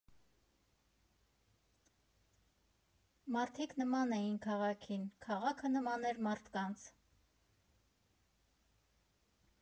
Մարդիկ նման էին քաղաքին, քաղաքը նման էր մարդկանց։